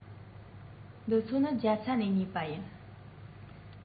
འདི ཚོ ནི རྒྱ ཚ ནས ཉོས པ ཡིན